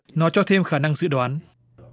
nó cho thêm khả năng dự đoán